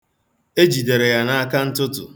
E jidere ya n'akantụtụ.